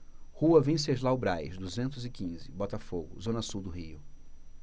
rua venceslau braz duzentos e quinze botafogo zona sul do rio